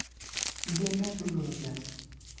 Идәнгә сузылып ят.